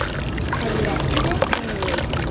Хәзрәтне тыңлый.